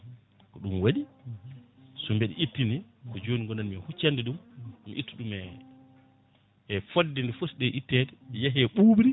ko ɗum waɗi sobeɗe ittane ko joni gonanmi e huccande ɗum mi itta ɗum e fodde nde footi nde ittede yeehe ɓuɓri